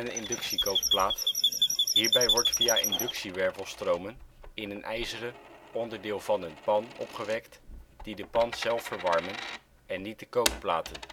Inductiekookplaat - hierbij wordt via inductie-wervelstromen in een ijzeren (onderdeel van een) pan opgewekt die de pan zelf verwarmen en niet de kookplaten